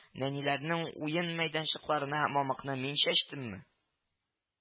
Нәниләрнең уен мәйданчыкларына мамыкны мин чәчтемме